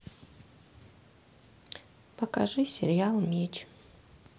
покажи сериал меч